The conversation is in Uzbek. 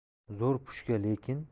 zo'r pushka lekin